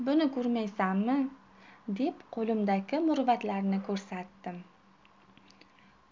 buni ko'rmaysanmi deb qo'limdagi murvatlarni ko'rsatdim